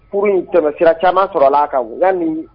Furuurun in tɛmɛsira caman sɔrɔ la a ka waga ni